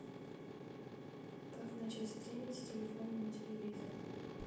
как начать стримить с телефона на телевизор